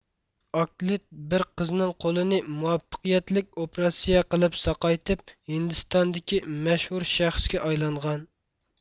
ئاكلىت بىر قىزنىڭ قولىنى مۇۋەپپەقىيەتلىك ئوپراتسىيە قىلىپ ساقايتىپ ھىندىستاندىكى مەشھۇر شەخسكە ئايلانغان